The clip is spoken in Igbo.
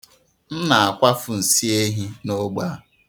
M na-akwafu nsi ehi n'ogbe a.